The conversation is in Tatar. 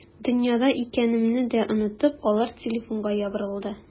Дөньяда икәнемне дә онытып, алар телефонга ябырылды.